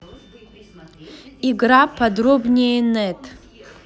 игра подробнее нет